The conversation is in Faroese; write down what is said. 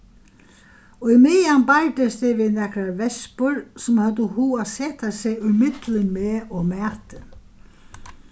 ímeðan bardist eg við nakrar vespur sum høvdu hug at seta seg ímillum meg og matin